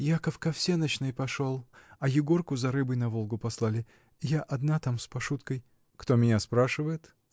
Яков ко всенощной пошел, а Егорку за рыбой на Волгу послали. Я одна там с Пашуткой. — Кто меня спрашивает?